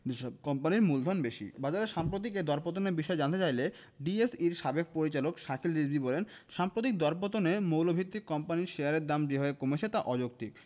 যেসব কোম্পানির মূলধন বেশি বাজারের সাম্প্রতিক এ দরপতনের বিষয়ে জানতে চাইলে ডিএসইর সাবেক পরিচালক শাকিল রিজভী বলেন সাম্প্রতিক দরপতনে মৌলভিত্তির কোম্পানির শেয়ারের দাম যেভাবে কমেছে তা অযৌক্তিক